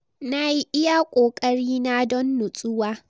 Nayi iya kokarina don natsuwa.”